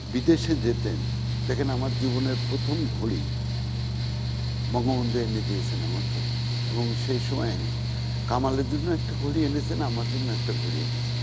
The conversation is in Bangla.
বিদেশে যেতেন দেখেন আমার জীবনের প্রথম ঘড়ি বঙ্গবন্ধু এনে দিয়েছেন আমাকে এবং সে সময়ে কামাল এর জন্য একটা ঘড়ি এনেছেন আমার জন্য একটা ঘড়ি এনেছেন